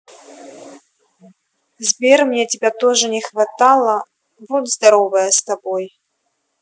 сбер мне тебя тоже не хватало вот здоровое с тобой